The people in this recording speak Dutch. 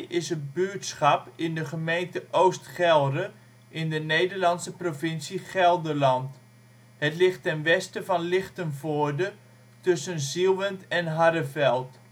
is een buurtschap in de gemeente Oost Gelre in de Nederlandse provincie Gelderland. Het ligt ten westen van Lichtenvoorde, tussen Zieuwent en Harreveld